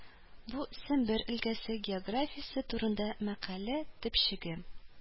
Бу Сембер өлкәсе географиясе турында мәкалә төпчеге